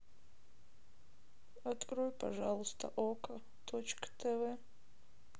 открой пожалуйста окко точка тв